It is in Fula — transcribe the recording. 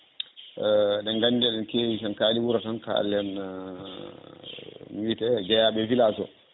ɗen gandi eɗen keewi hen kaali wuuro tan kalen no wiite jeeyaɓe e village